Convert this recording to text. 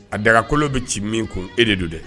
A dagakolo bɛ ci min ko e de don dɛ